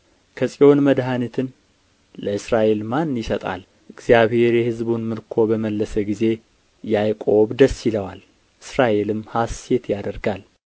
ከጽዮን መድኃኒትን ለእስራኤል ማን ይሰጣል እግዚአብሔር የሕዝቡን ምርኮ በመለሰ ጊዜ ያዕቆብ ደስ ይለዋል እስራኤልም ሐሤት ያደርጋል